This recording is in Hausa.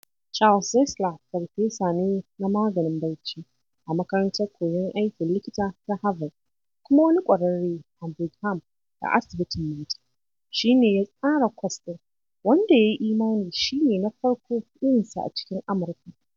Charles Czeisler, farfesa na maganin barci a Makarantar Koyon Aikin Likita ta Harvard kuma wani ƙwararre a Brigham da Asibitin Mata, shi ne ya tsara kwas din, wanda ya yi imani shi ne na farko irinsa a cikin Amurka.